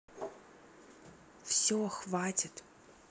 все хватит